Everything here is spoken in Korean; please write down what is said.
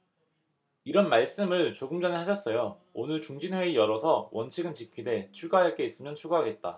이런 말씀을 조금 전에 하셨어요 오늘 중진회의 열어서 원칙은 지키되 추가할 게 있으면 추가하겠다